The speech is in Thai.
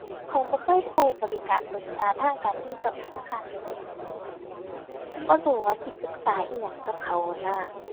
ข้อยบ่เคยใช้บริการปรึกษาทางการเงินกับธนาคารเลยเดะ บ่รู้ว่าสิปรึกษาอิหยังกับเขานั้นนะ